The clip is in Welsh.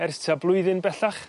ers tua blwyddyn bellach